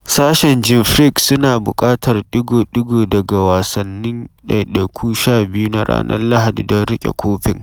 Sashen Jim Furyk suna buƙatar ɗigo-ɗigo daga wasanni ɗaiɗaiku 12 na ranar Lahadi don riƙe kofin.